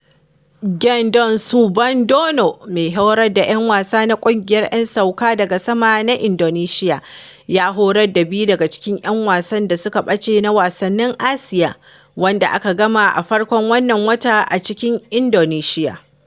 Gendon Subandono, mai horar da ‘yan wasa na ƙungiyar ‘yan sauka daga sama na Indonesiya, ya horar da biyu daga cikin ‘yan wasan da suka bace na Wasannin Asiya, wanda aka gama a farkon wannan watan a cikin Indonesiya.